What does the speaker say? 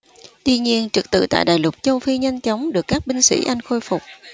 tuy nhiên trật tự tại đại lục châu phi nhanh chóng được các binh sĩ anh khôi phục